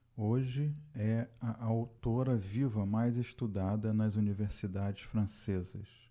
hoje é a autora viva mais estudada nas universidades francesas